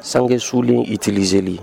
San sulen i telizeeli